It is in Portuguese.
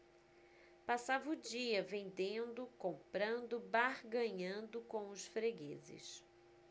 passava o dia vendendo comprando barganhando com os fregueses